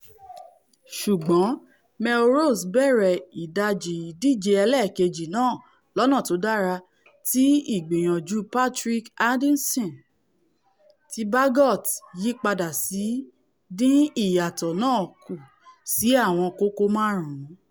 Ṣùgbọ́n Melrose bẹ̀rẹ̀ ìdajì ìdíje ẹlẹ́ẹ̀kejì náà lọ́nà tódára tí ìgbìyànjú Patrick Anderson, tí Baggot yípadà sì dín ìyàtọ̀ náà kù sí àwọn kókó máàrún.